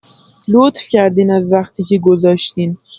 لطف کردین از وقتی‌که گذاشتین